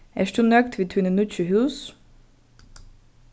ert tú nøgd við tíni nýggju hús